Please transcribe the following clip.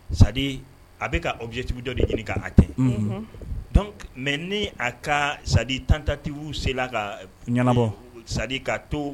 Sa a bɛ kajɛtigiw dɔ ɲini' a tɛ mɛ ni a ka sadi tantati sen ka ɲɛnama sa ka to